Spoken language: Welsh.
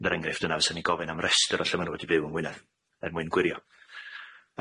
er engreiff yna fysa ni gofyn am restyr o lle ma' nw wedi byw yn Wynedd er mwyn gwirio.